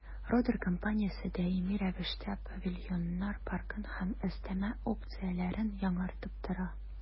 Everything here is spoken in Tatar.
«родер» компаниясе даими рәвештә павильоннар паркын һәм өстәмә опцияләрен яңартып тора.